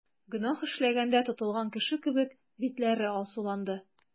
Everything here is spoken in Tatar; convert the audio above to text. Гөнаһ эшләгәндә тотылган кеше кебек, битләре алсуланды.